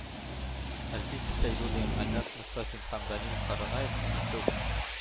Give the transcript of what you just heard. Әлфис Шәйдуллин, Айназ Мостафин һәм Данил Каранаев өченче